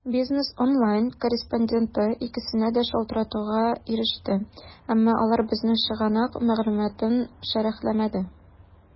"бизнес online" корреспонденты икесенә дә шалтыратуга иреште, әмма алар безнең чыганак мәгълүматын шәрехләмәде.